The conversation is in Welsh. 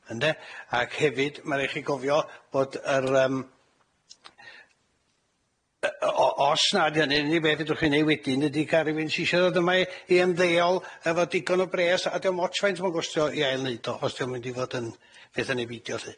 Ynde? Ac hefyd ma' rai' chi gofio bod yr yym yy o- o- os na 'di hynny'n, unig beth fedrwch chi neud wedyn ydi ca'l rywun sy isio dod yma i i ymddeol efo digon o bres a dio'm ots faint ma'n gostio i ail neud o os dio'n mynd i fod yn petha neu beidio lly.